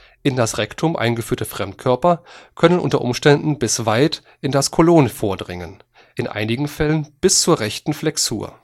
In das Rektum eingeführte Fremdkörper können unter Umständen bis weit in das Kolon vordringen, in einigen Fällen bis zur rechten Flexur